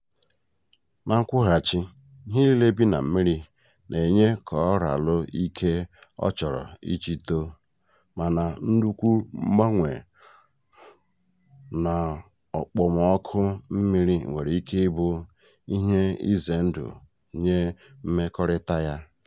Na nkwughachị, ihe nille bị na mmiri na-enye Koraalụ ike ọ chọrọ iji to, mana nnukwu mgbanwe n'okpomọọkụ mmiri nwere ike ịbụ ihe ize ndụ nye mmekọrịta a.